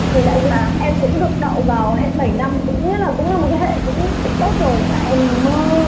thì lại như em cũng được đậu vào hệ bảy năm cũng nghĩa là cũng là một cái hệ cũng cũng tốt rồi và em mơ